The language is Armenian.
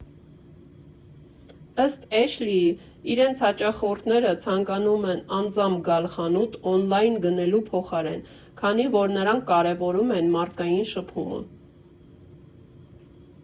Ըստ Էշլիի՝ իրենց հաճախորդները ցանկանում են անձամբ գալ խանութ օնլայն գնելու փոխարեն, քանի որ նրանք կարևորում են մարդկային շփումը։